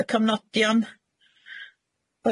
Y cyfnodion.